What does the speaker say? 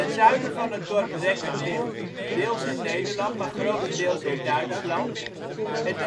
zuiden van het dorp Rekken ligt, deels in Nederland, maar grotendeels in Duitsland, het